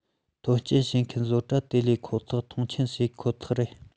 ཐོན སྐྱེད བྱེད མཁན བཟོ གྲྭ དེ ལས ཁོ ཐག མཐོང ཆེན བྱེད ཐུབ ཁོ ཐག རེད